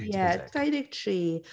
Ie, dau ddeg tri.